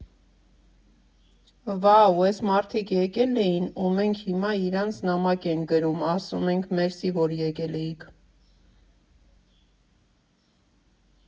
«Վա՜ու, էս մարդիկ եկել էին, ու մենք հիմա իրանց նամակ ենք գրում, ասում ենք մերսի, որ եկել էիք»։